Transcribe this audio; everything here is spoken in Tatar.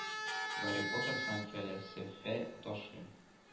Гарри Поттер һәм фәлсәфә ташы